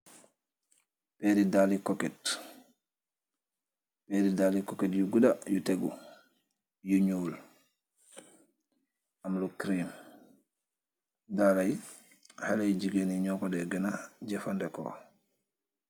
Peree dalle koket, perre dalle koket yu guda yu tegu yu njol am lu creme, dalla ye haleh yu jegain nuku de gena jufaneku.